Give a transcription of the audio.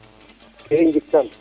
ke i njik tan